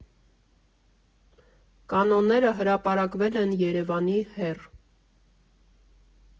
Կանոնները հրապարակվել են Երևանի հեռ.